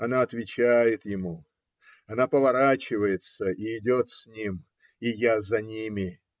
Она отвечает ему, она поворачивается и идет с ним. И я за ними.